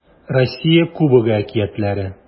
Россия Кубогы әкиятләре